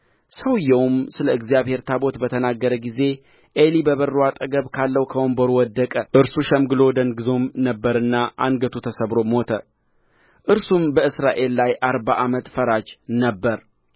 ሰውዮውም ስለ እግዚአብሔር ታቦት በተናገረ ጊዜ ዔሊ በበሩ አጠገብ ካለው ከወንበሩ ወደቀ እርሱ ሸምግሎ ደንግዞም ነበርና አንገቱ ተሰብሮ ሞተ እርሱም በእስራኤል ላይ አርባ ዓመት ፈራጅ ነበረ